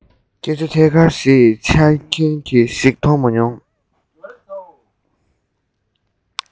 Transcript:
སྐད ཆ ཐད ཀར འཆད མཁན ཞིག མཐོང མ མྱོང